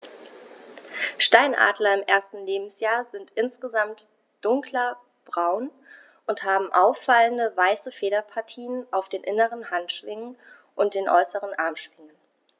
Steinadler im ersten Lebensjahr sind insgesamt dunkler braun und haben auffallende, weiße Federpartien auf den inneren Handschwingen und den äußeren Armschwingen.